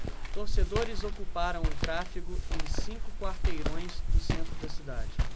torcedores ocuparam o tráfego em cinco quarteirões do centro da cidade